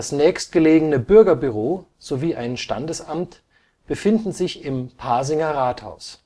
nächstgelegene Bürgerbüro sowie ein Standesamt befinden sich im Pasinger Rathaus